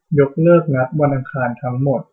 ยกเลิกนัดวันอังคารทั้งหมด